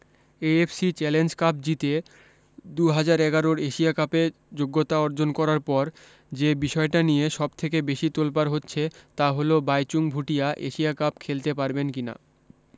AFC challenge cup জিতে দু হাজার এগারর এশিয়া কাপে যোগ্যতা অর্জন করার পর যে বিষয়টা নিয়ে সব থেকে বেশী তোলপাড় হচ্ছে তা হল ভাইচুং ভুটিয়া এশিয়া কাপ খেলতে পারবেন কিনা